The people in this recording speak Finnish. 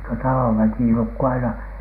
niin kuin talon väki nukkui aina